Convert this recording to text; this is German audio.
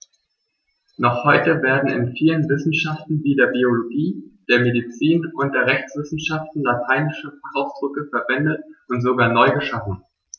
Noch heute werden in vielen Wissenschaften wie der Biologie, der Medizin und der Rechtswissenschaft lateinische Fachausdrücke verwendet und sogar neu geschaffen.